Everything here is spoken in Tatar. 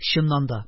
Чыннан да,